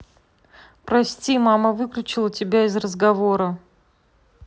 прости мама тебя выключила и разговора